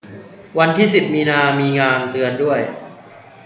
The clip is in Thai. วันที่สิบมีนามีงานเตือนด้วย